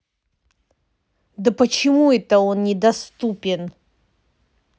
да почему это он недоступен